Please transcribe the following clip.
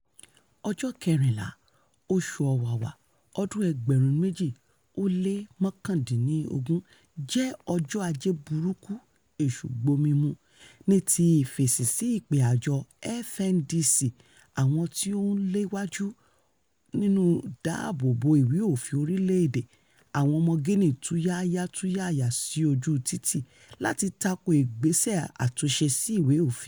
Ọjọ́ 14 oṣù Ọ̀wàrà ọdún-un 2019 jẹ́ ọjọ́ Ajé burúkú Èṣù gbomi mu, ní ti ìfèsì sí ìpè àjọ FNDC [Àwọn tí ó ń lé wájú ń'nú Ìdáàbò bo Ìwé-òfin Orílẹ̀-èdè], àwọn ọmọ Guinea tú yáyá tú yàyà sí ojúu títì láti tako ìgbésẹ̀ àtúnṣe sí ìwé-òfin.